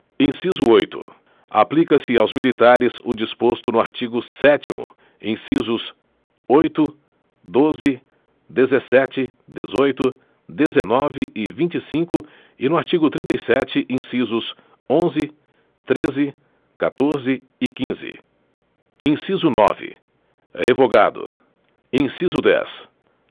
inciso oito aplica se aos militares o disposto no artigo sétimo incisos oito doze dezessete dezoito dezenove e vinte e cinco e no artigo trinta e sete incisos onze treze catorze e quinze inciso nove revogado inciso dez